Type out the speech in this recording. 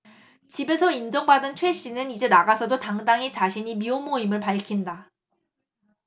집에서 인정받은 최 씨는 이제 나가서도 당당히 자신이 미혼모임을 밝힌다